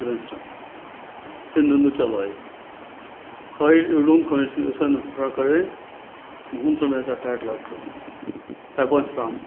til vinstru finni nýggja leið koyr úr rundkoyringini í seinastu frákoyring um hundrað metrar far til høgru far beint fram